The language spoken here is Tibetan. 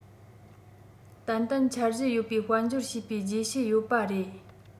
ཏན ཏན འཆར གཞི ཡོད པའི དཔལ འབྱོར བྱས པའི རྗེས ཤུལ ཡོད པ རེད